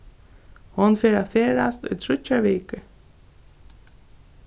hon fer at ferðast í tríggjar vikur